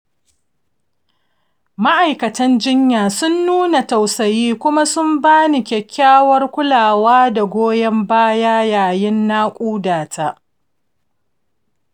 ma’aikatan jinya sun nuna tausayi kuma sun ba ni kyakkyawar kulawa da goyon baya yayin nakuda ta.